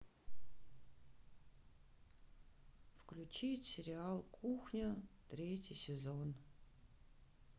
включить сериал кухня третий сезон